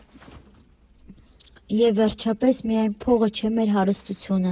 Եվ վերջապես, միայն փողը չէ մեր հարստությունը։